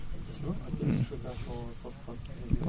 waaw des na